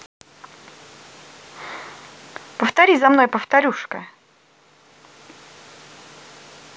повтори за мной повторюшка